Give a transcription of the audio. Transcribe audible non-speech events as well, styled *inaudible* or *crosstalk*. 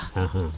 *hesitation* *hesitation*